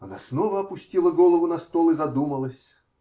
Она снова опустила голову на стол и задумалась.